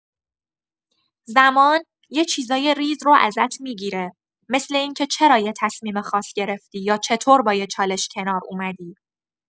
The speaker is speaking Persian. زمان، یه چیزای ریز رو ازت می‌گیره، مثل اینکه چرا یه تصمیم خاص گرفتی یا چطور با یه چالش کنار اومدی.